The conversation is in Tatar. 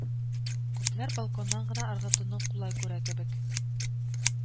Күпләр балконнан гына ыргытуны кулай күрә кебек